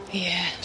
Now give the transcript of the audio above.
Ie.